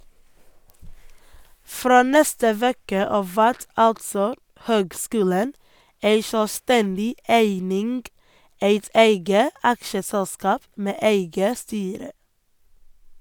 Frå neste veke av vert altså høgskulen ei sjølvstendig eining, eit eige aksjeselskap med eige styre.